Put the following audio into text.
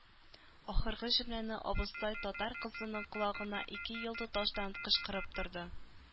Ахыргы җөмләне абыстай татар кызының колагына ике ел тоташтан кычкырып торды.